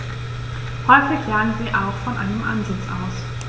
Häufig jagen sie auch von einem Ansitz aus.